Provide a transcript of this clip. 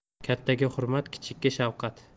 kattaga hurmat kichikka shafqat